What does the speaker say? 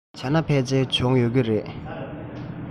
བྱས ན ཕལ ཆེར བྱུང ཡོད ཀྱི རེད